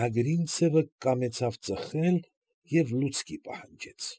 Ագրինցևը կամեցավ ծխել և լուցկի պահանջեց։